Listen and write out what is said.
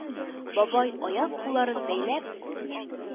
Бабай, аяк-кулларын бәйләп,